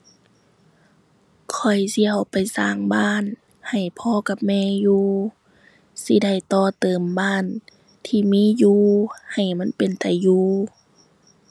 ข้อยสิเอาไปสร้างบ้านให้พ่อกับแม่อยู่สิได้ต่อเติมบ้านที่มีอยู่ให้มันเป็นตาอยู่